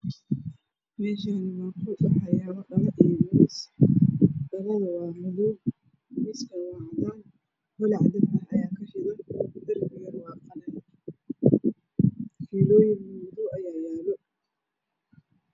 Meshani waa qol waxayalo dhalo io miis dhalad waa madow miiskan waa cadan holac deb ah aya kashidan darbigan waa qalin filoyin madow ah aya yalo